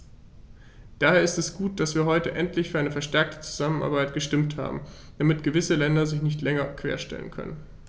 Daher ist es gut, dass wir heute endlich für eine verstärkte Zusammenarbeit gestimmt haben, damit gewisse Länder sich nicht länger querstellen können.